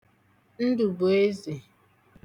Ndụ̀bụezè